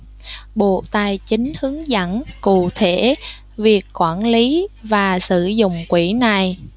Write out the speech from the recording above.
bộ tài chính hướng dẫn cụ thể việc quản lý và sử dụng quỹ này